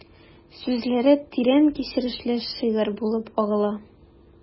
Сүзләре тирән кичерешле шигырь булып агыла...